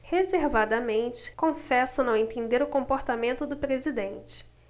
reservadamente confessa não entender o comportamento do presidente